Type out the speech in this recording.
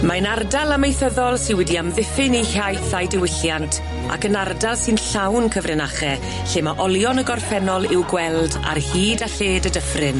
Mae'n ardal amaethyddol sy wedi amddiffyn ei hiaith a'i diwylliant, ac yn ardal sy'n llawn cyfrinache lle ma' olion y gorffennol i'w gweld ar hyd a lled y dyffryn.